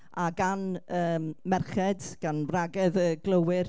a gan yym merched, gan wragedd glôwyr,